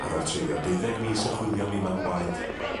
Ar ôl treulio deuddeg mis yn chwilio am 'i mam gwaed